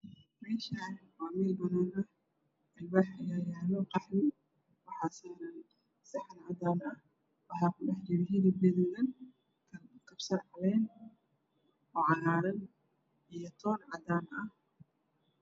Meesha waa meel banaan ah alwax ayaa yaalo o qaxwi waxaa saran saxan cadaan ah waxaa ku dhexjiro hilib guduudan kabsar caleen oo cagaaran iyo toon cadaan ah